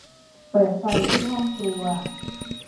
เปิดไฟที่ห้องครัว